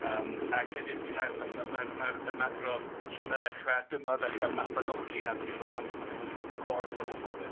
Yym ac hefyd mae... mae... mae... mae'r ymadrodd "lle mae ddechrau", "dyma ddechrau Mabinogi" yn awgrymu fod 'na gorff o wybodaeth.